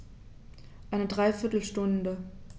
Eine dreiviertel Stunde